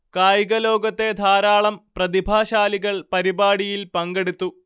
കായിക ലോകത്തിലെ ധാരാളം പ്രതിഭാശാലികൾ പരിപാടിയിൽ പങ്കെടുത്തു